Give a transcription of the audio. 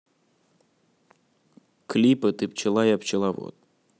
клипы ты пчела я пчеловод